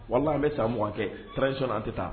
Walima an bɛ san mugan kɛ tarawelerec an tɛ taa